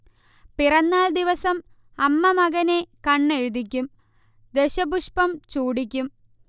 പിറന്നാൾദിവസം അമ്മ മകനെ കണ്ണെഴുതിക്കും, ദശപുഷ്പം ചൂടിക്കും